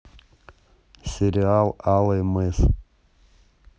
сериал алый мыс